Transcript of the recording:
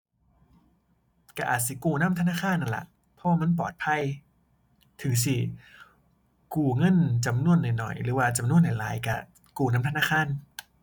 ก็อาจสิกู้นำธนาคารนั่นล่ะ เพราะว่ามันปลอดภัย ถึงสิ กู้เงินจำนวนน้อยน้อยหรือว่าจำนวนหลายหลายก็กู้นำธนาคาร